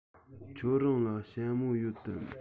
ཁྱོད རང ལ ཞྭ མོ ཡོད དམ